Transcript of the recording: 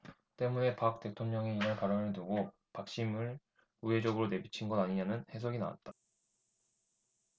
때문에 박 대통령의 이날 발언을 두고 박심 을 우회적으로 내비친 것 아니냐는 해석이 나왔다